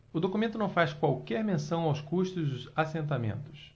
o documento não faz qualquer menção aos custos dos assentamentos